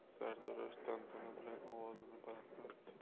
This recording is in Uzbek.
sartarosh tantana bilan ovozini balandlatdi